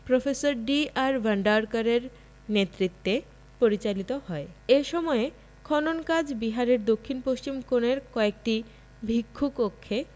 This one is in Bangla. প্রফেসর ডি.আর ভান্ডারকরের নেতৃত্বে পরিচালিত হয় এ সময়ে খনন কাজ বিহারের দক্ষিণ পশ্চিম কোণের কয়েকটি ভিক্ষু কক্ষে